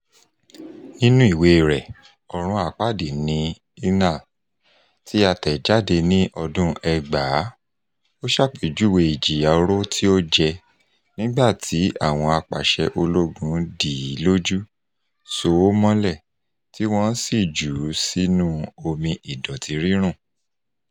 Nínú ìwée rẹ̀, “Ọ̀run-àpáàdì ní Inal“, tí a tẹ̀ jáde ní ọdún 2000, ó ṣàpèjúwe ìjìyà-oró tí ó jẹ, nígbà tí àwọn apàṣẹ ológun dì í lójú, so ó mọ́lẹ̀, tí wọ́n sì jù ú sínú omi ìdọ̀tí rírùn.